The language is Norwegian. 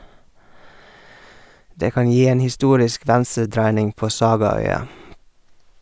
Det kan gi en historisk venstredreining på sagaøya.